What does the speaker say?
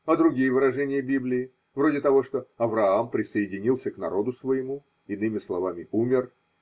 А другие выражения Библии, вроде того, что Авраам присоединился к народу своему, иными словами – умер?